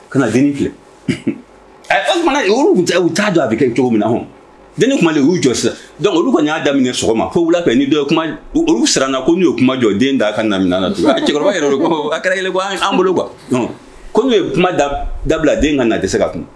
Ka na den filɛ o fana u t'a don a bɛ kɛ cogo min na hɔn den tun y'u jɔ sisan dɔnku olu ka y'a daminɛ sɔgɔma fo la ka ni kuma olu sara ko n'' kuma jɔ den da'a ka lammin don cɛkɔrɔba yɛrɛ ko kɛra bolo ko ye kuma da dabila den ka na dɛsɛ se ka kun